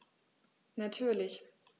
Natürlich.